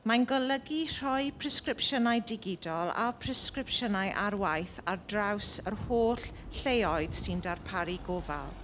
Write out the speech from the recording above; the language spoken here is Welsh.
Mae'n golygu rhoi presgripsiynau digidol a presgripsiynau ar waith ar draws yr holl lleoedd sy'n darparu gofal.